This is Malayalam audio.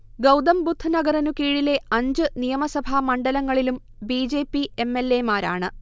ഗൗതംബുദ്ധ് നഗറിനു കീഴിലെ അഞ്ച് നിയമസഭാ മണ്ഡലങ്ങളിലും B. J. P M. L. A മാരാണ്